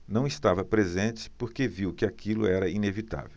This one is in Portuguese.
não estava presente porque viu que aquilo era inevitável